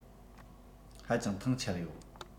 ཧ ཅང ཐང ཆད ཡོད